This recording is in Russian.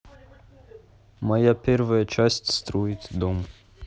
моя первая часть строит дом